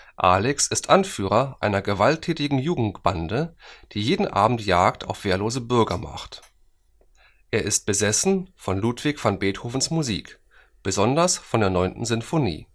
Alex ist Anführer einer gewalttätigen Jugendbande, die jeden Abend Jagd auf wehrlose Bürger macht. Er ist besessen von Ludwig van Beethovens Musik, besonders von der 9. Sinfonie